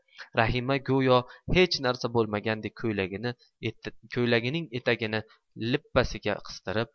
rahima go'yo hech narsa bo'lmagandek ko'ylagining etagini lippasiga qistirib